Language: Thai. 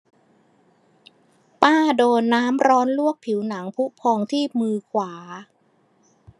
ป้าโดนน้ำร้อนลวกผิวหนังพุพองที่มือขวา